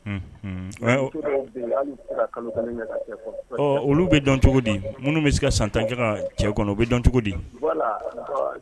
Un olu bɛ dɔn cogo di minnu bɛ se ka san tanjan cɛ kɔnɔ u bɛ dɔn cogo di